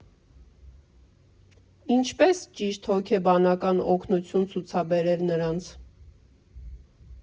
Ինչպե՞ս ճիշտ հոգեբանական օգնություն ցուցաբերել նրանց։